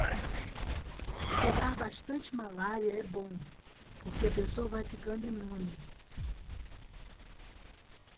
pegar bastante malária é bom porque a pessoa vai ficando imune